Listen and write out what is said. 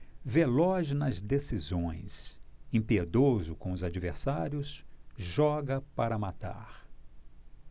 veloz nas decisões impiedoso com os adversários joga para matar